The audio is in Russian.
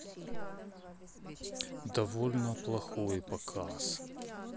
довольно плохой показ